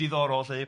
...diddorol 'lly.